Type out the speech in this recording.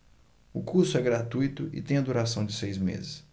o curso é gratuito e tem a duração de seis meses